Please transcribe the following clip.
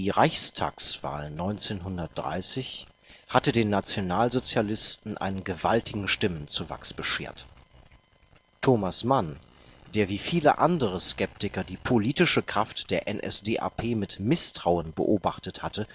Reichstagswahl 1930 hatte den Nationalsozialisten einen gewaltigen Stimmenzuwachs beschert. Thomas Mann, der wie viele andere Skeptiker die politische Kraft der NSDAP mit Misstrauen beobachtet hatte